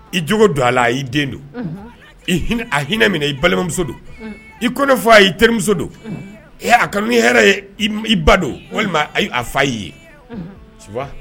I jo don a la'i den do a hinɛ min i balimamuso don i ko ne fɔ a y' terimuso don a kɔni ni hɛrɛ ye i ba don walima a fa y'i ye